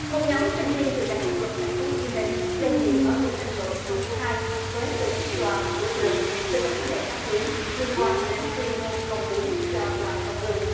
một nhóm sinh viên trường đại học luật thành phố hồ chí minh đề nghị mở cuộc tranh luận công khai với tổ chức đoàn của trường về các vấn đề pháp lý liên quan đến tuyên ngôn công lý cho đoàn văn vương